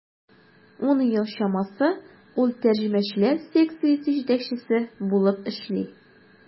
Ун ел чамасы ул тәрҗемәчеләр секциясе җитәкчесе булып эшли.